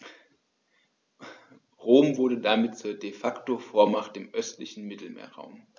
Rom wurde damit zur ‚De-Facto-Vormacht‘ im östlichen Mittelmeerraum.